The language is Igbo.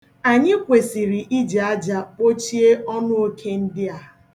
Anyị kwesịrị iji aja kpochie ọnụ oke ndị a.